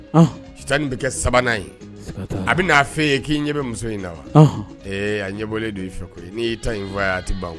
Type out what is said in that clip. Ɔnh sitani bɛ kɛ 3 nan ye sikat'a la a bi n'a f'e ye k'i ɲɛ bɛ muso in na wa ɔnhɔn ee a ɲɛbɔlen do i fɛ koyi ni yi ta in fɔ a ye a tɛ ban k